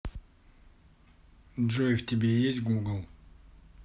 джой в тебе есть google